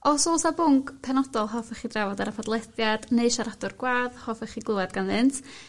Os o's 'na bwnc penodol hoffech chi drafod ar y podlediad neu siaradwr gwadd hoffech chi glywed ganddynt